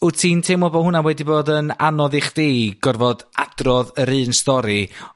w't ti'n teimlo bo' hwnna wedi bod yn anodd i chdi, gorfod adrodd yr un stori